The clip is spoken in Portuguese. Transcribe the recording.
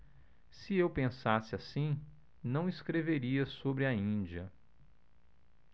se eu pensasse assim não escreveria sobre a índia